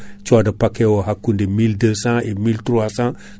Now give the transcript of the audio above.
coda paquet o hakkude 1200 e 1300